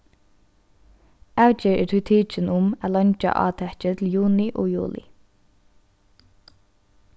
avgerð er tí tikin um at leingja átakið til juni og juli